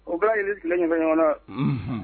O g hakilili tile ɲɔgɔnfɛ ɲɔgɔn